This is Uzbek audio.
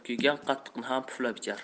kuygan qatiqni ham puflab ichar